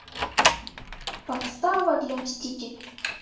подстава для мстителей